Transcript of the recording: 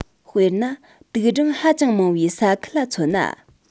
དཔེར ན དུག སྦྲང ཧ ཅང མང བའི ས ཁུལ ལ མཚོན ན